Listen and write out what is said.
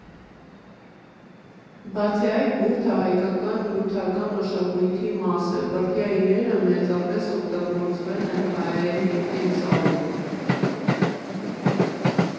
Բացի այդ՝ բուրդը հայկական նյութական մշակույթի մաս է, բրդյա իրերը մեծապես օգտագործվել են հայերի կենցաղում։